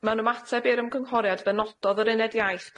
mewn ymateb i'r ymgynghoriad fe nododd yr uned iaith